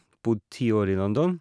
Bodde ti år i London.